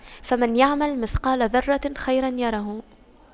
فَمَن يَعمَل مِثقَالَ ذَرَّةٍ خَيرًا يَرَهُ